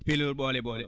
pelori ɓoole ɓoole